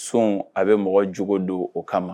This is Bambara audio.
Sun a bɛ mɔgɔ jugu don o kama